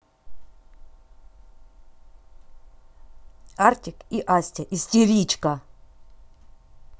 artik и asti истеричка